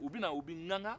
u bɛ na u bɛ ŋaŋa